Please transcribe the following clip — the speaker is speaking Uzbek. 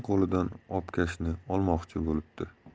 qo'lidan obkashni olmoqchi bo'libdi